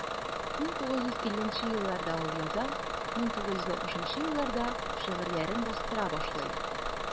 1950 елларда ул яза, 1960 елларда шигырьләрен бастыра башлый.